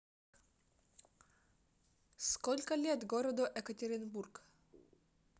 сколько лет города екатеринбурга